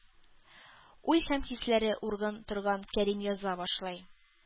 Уй һәм хисләре ургып торган Кәрим яза башлый.